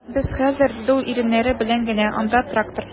Без хәзер, - диде ул иреннәре белән генә, - анда трактор...